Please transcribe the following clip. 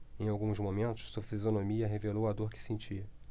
em alguns momentos sua fisionomia revelou a dor que sentia